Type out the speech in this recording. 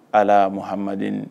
Ala mahaden